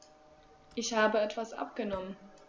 Ich habe etwas abgenommen.